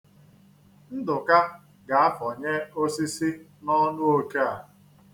Ndụka ga-afọnye osisi n'ọnụ oke a.